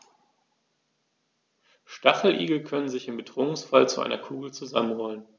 Stacheligel können sich im Bedrohungsfall zu einer Kugel zusammenrollen.